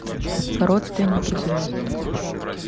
родственники звезд